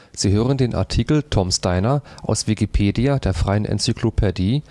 Sie hören den Artikel Tom’ s Diner, aus Wikipedia, der freien Enzyklopädie